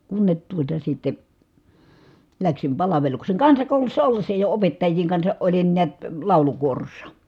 kunne tuota sitten lähdin palvelukseen kansakoulussa ollessa jo opettajien kanssa olin näet laulukuorossa